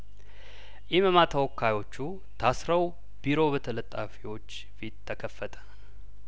ኢመማ ተወካዮቹ ታስረው ቢሮው በተለጣፊዎች ፊት ተከፈተ